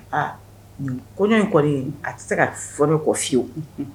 Aa kɔɲɔ kɔɲɔ in kɔrɔ a tɛ se ka fɔ kɔ fiyewu